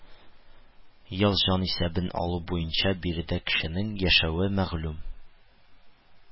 Ел җанисәбен алу буенча биредә кешенең яшәве мәгълүм